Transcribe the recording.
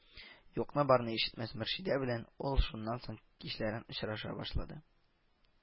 Юкны-барны ишетмәс мөршидә белән ул шуннан соң кичләрен очраша башлады